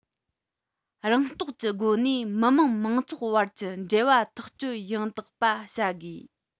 རང རྟོགས ཀྱི སྒོ ནས མི དམངས མང ཚོགས བར གྱི འབྲེལ བ ཐག གཅོད ཡང དག པ བྱ དགོས